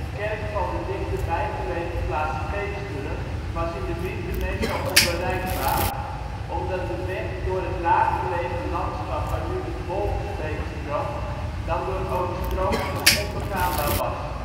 kerk van de dichterbij gelegen plaats Geesteren was in de winter meestal onbereikbaar, omdat de weg door het laaggelegen landschap waar nu de Bolksbeek stroomt dan door overstromingen onbegaanbaar was